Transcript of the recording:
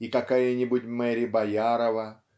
И какая-нибудь Мери Боярова